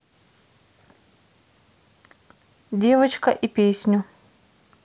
девочка и песню